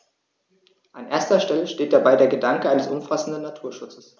An erster Stelle steht dabei der Gedanke eines umfassenden Naturschutzes.